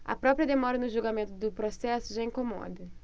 a própria demora no julgamento do processo já incomoda